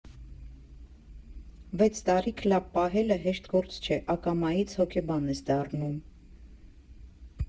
«Վեց տարի քլաբ պահելը հեշտ գործ չէ, ակամայից հոգեբան ես դառնում։